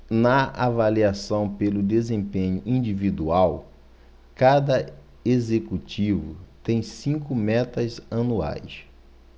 na avaliação pelo desempenho individual cada executivo tem cinco metas anuais